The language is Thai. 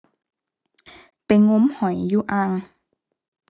ไปงมหอยอยู่อ่าง